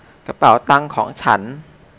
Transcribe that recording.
กระเป๋าตังของฉัน